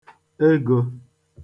egō